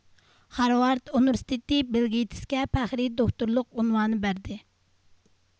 خارۋارد ئۇنىۋېرسىتېتى بىل گېيتىسكە پەخرىي دوكتورلۇق ئۇنۋانى بەردى